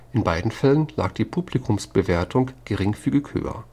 beiden Fällen lag die Publikumswertung geringfügig höher